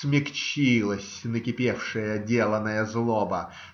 Смягчилась накипевшая, деланая злоба